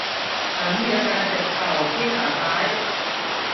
ฉันมีอาการเจ็บเข่าที่ขาซ้าย